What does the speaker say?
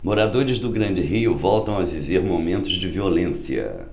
moradores do grande rio voltam a viver momentos de violência